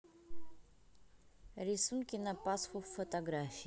рисунки на пасху фотографии